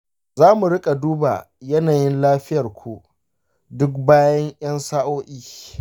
za mu riƙa duba yanayin lafiyar ku duk bayan ƴan sa'o'i.